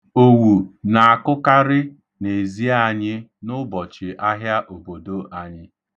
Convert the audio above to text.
Owu na-akụkarị n'ezi anyị n'ụbọchị ahịa obodo anyị.